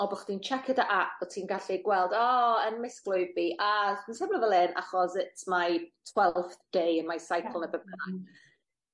o bo' chdi'n checio dy ap bo' ti'n gallu gweld o 'yn mislif fi a dwi'n teimlo fel 'yn achos it's my twelfth day in my cycle ne' be' bynnag.